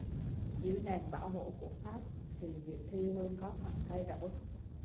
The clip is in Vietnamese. dưới nền bảo hộ của pháp thì việc thi hương có phần thay đổi